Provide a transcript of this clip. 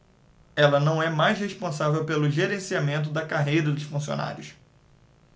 ela não é mais responsável pelo gerenciamento da carreira dos funcionários